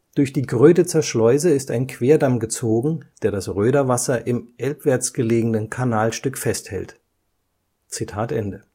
Durch die Gröditzer Schleuse ist ein Querdamm gezogen, der das Röderwasser im elbwärtsgelegenen Kanalstück festhält. “Während